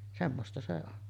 semmoista se on